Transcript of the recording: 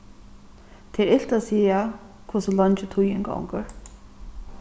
tað er ilt at siga hvussu leingi tíðin gongur